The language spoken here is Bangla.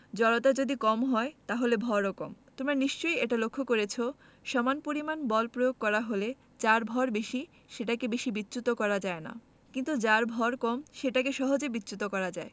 জড়তা যদি কম হয় তাহলে ভরও কম তোমরা নিশ্চয়ই এটা লক্ষ করেছ সমান পরিমাণ বল প্রয়োগ করা হলে যার ভর বেশি সেটাকে বেশি বিচ্যুত করা যায় না কিন্তু যার ভয় কম সেটাকে সহজে বিচ্যুত করা যায়